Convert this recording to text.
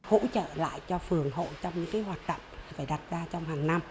hỗ trợ lại cho phường hộ trong những cái hoạt động phải đặt ra trong hàng năm